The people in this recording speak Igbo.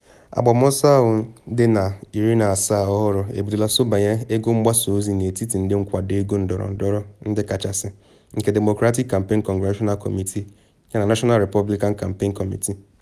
Agbamọsọ ahụ dị na 17th ọhụrụ ebidola nsọbanye ego mgbasa ozi n’etiti ndi nkwado ego ndọrọndọrọ ndi kachasi, nke Democratic Campaign Congressional Committee (DCCC) yana National Republican Campaign Committee (NRCC).